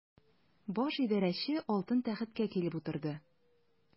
Баш идарәче алтын тәхеткә килеп утырды.